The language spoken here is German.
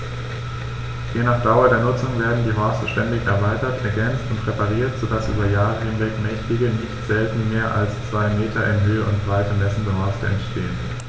Je nach Dauer der Nutzung werden die Horste ständig erweitert, ergänzt und repariert, so dass über Jahre hinweg mächtige, nicht selten mehr als zwei Meter in Höhe und Breite messende Horste entstehen.